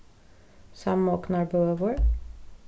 samognarbøur